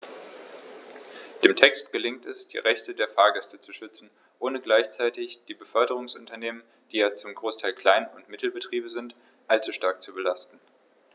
Dem Text gelingt es, die Rechte der Fahrgäste zu schützen, ohne gleichzeitig die Beförderungsunternehmen - die ja zum Großteil Klein- und Mittelbetriebe sind - allzu stark zu belasten.